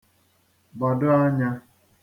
gbàdo anyā